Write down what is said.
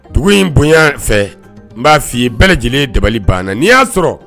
Dugu in bonya fɛ n b'a fɔ' i bɛɛ lajɛlen dabali banna n'i y'a sɔrɔ